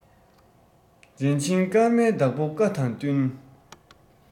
རིན ཆེན སྐར མའི བདག པོའི བཀའ དང བསྟུན